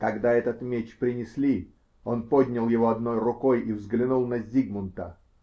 Когда этот меч принесли, он поднял его одной рукой и взглянул на Зигмунта.